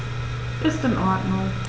Ist in Ordnung.